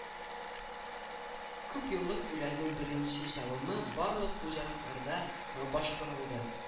Күпьеллык үләннең беренче чабымы барлык хуҗалыкларда башкарылды